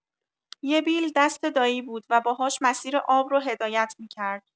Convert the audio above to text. یه بیل دست دایی بود و باهاش مسیر آب رو هدایت می‌کرد.